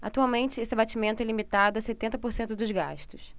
atualmente esse abatimento é limitado a setenta por cento dos gastos